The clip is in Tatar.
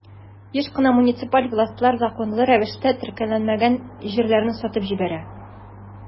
Еш кына муниципаль властьлар законлы рәвештә теркәлмәгән җирләрне сатып җибәрә.